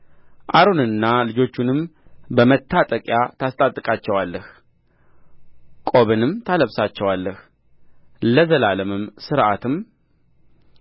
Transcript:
አሮንንና ልጆቹንም በመታጠቂያ ታስታጥቃቸዋለህ ቆብንም ታለብሳቸዋለህ ለዘላለም ሥርዓትም